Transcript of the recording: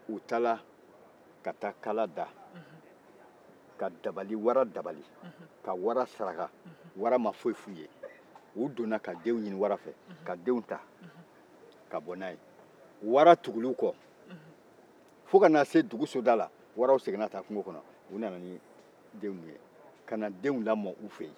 ka wara saraka wara ma fosi f'u ye u donna ka denw ɲini wara fɛ ka denw ta ka bɔ n'a ye wara tugura u kɔ fɔ ka na se dugu soda la waraw seginna ka taa kungo kɔnɔ u nana ni denw ye ka na denw lamɔ u fɛ yen u ye mɔgɔninfinkan fɔ yen de